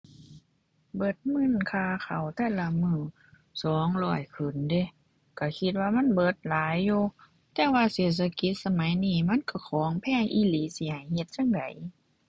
เบิดเงินค่าข้าวแต่ละมื้อสองร้อยขึ้นเดะ ก็คิดว่ามันเบิดหลายอยู่ แต่ว่าเศรษฐกิจสมัยนี้มันก็ของแพงอีหลี สิให้เฮ็ดจั่งใด